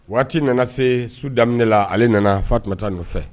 Waati nana se sudala ale nana fa tun bɛ taa nɔfɛ